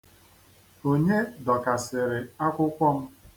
Onye dọkasịrị akwụkwọ m?